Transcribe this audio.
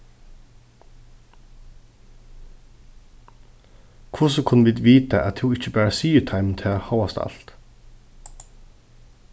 hvussu kunnu vit vita at tú ikki bara sigur teimum tað hóast alt